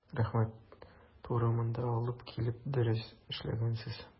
Рәхмәт, туры монда алып килеп дөрес эшләгәнсез.